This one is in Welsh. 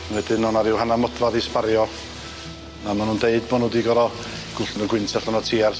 Wedyn o' 'na ryw hannar modfadd i sbario a ma' nw'n deud bo' nw 'di gor'o' gwllwng y gwynt allan o'r teiars.